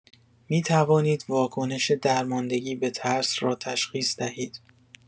می‌توانید واکنش درماندگی به ترس را تشخیص دهید.